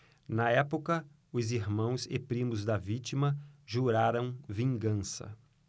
na época os irmãos e primos da vítima juraram vingança